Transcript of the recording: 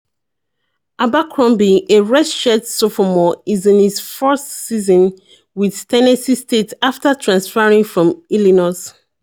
Abercrombie, a redshirt sophomore, is in his first season with Tennessee State after transferring from Illinois.